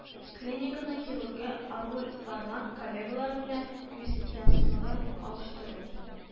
Клиниканың хирургы аруль варман коллегалары белән күз ясмыгын алыштыру